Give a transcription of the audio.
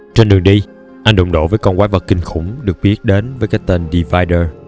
trên đường đi anh đụng độ với con quái vật kinh khủng được biết đến với cái tên divider